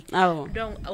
Aw dɔn